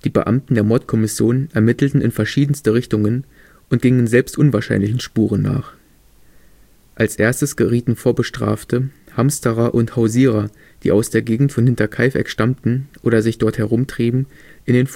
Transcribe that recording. Beamten der Mordkommission ermittelten in verschiedenste Richtungen und gingen selbst unwahrscheinlichen Spuren nach. Als Erstes gerieten Vorbestrafte, Hamsterer und Hausierer, die aus der Gegend von Hinterkaifeck stammten oder sich dort herumtrieben, in